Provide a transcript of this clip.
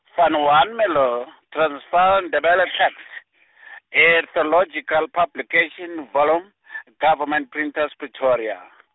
Van Warmelo, Transvaal Ndebele texts , Ethnological Publication Volume , Government Printers Pretoria.